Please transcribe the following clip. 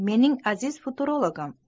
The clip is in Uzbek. mening aziz futurologim